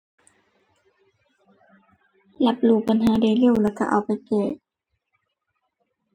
รับรู้ปัญหาได้เร็วแล้วก็เอาไปแก้